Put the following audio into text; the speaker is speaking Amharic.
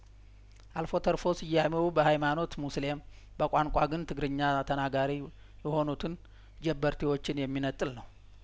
አልፎ ተርፎ ስያሜው በሀይማኖት ሙስሌም በቋንቋ ግን ትግሪኛ ተናጋሪ የሆኑትን ጀበርቴዎችን የሚነጥል ነው